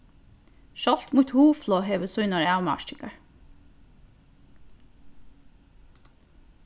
sjálvt mítt hugflog hevur sínar avmarkingar